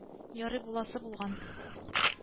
Ярый буласы булган